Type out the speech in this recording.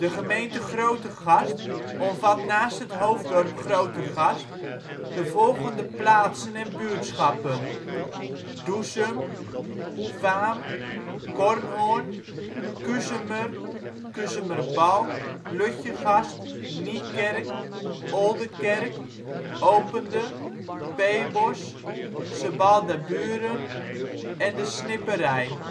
gemeente Grootegast omvat naast het hoofddorp Grootegast de volgende plaatsen en buurtschappen: Doezum, Faan, Kornhorn, Kuzemer, Kuzemerbalk, Lutjegast, Niekerk, Oldekerk, Opende, Peebos, Sebaldeburen en De Snipperij